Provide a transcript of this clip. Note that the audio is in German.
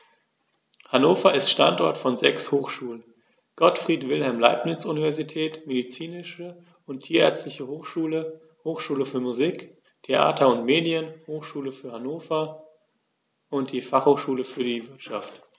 Hannover ist Standort von sechs Hochschulen: Gottfried Wilhelm Leibniz Universität, Medizinische und Tierärztliche Hochschule, Hochschule für Musik, Theater und Medien, Hochschule Hannover und die Fachhochschule für die Wirtschaft.